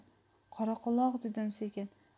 qoraquloq dedim sekin